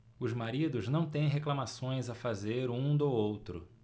os maridos não têm reclamações a fazer um do outro